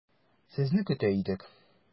Сезне көтә идек.